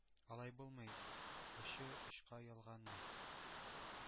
— алай булмый... очы-очка ялганмый...